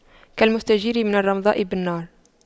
كالمستجير من الرمضاء بالنار